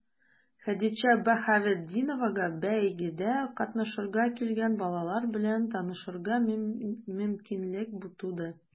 Хәдичә Баһаветдиновага бәйгедә катнашырга килгән балалар белән танышырга мөмкинлек туды.